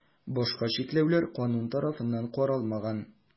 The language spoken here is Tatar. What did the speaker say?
Башка чикләүләр канун тарафыннан каралмаган.